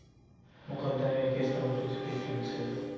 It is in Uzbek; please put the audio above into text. muqaddam yelkasidan muz o'tib ketganini sezdi